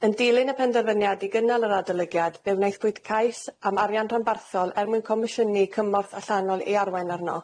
Yn dilyn y penderfyniad i gynnal yr adolygiad, fe wnaethpwyd cais am arian rhanbarthol er mwyn comisiynu cymorth allanol i arwen arno.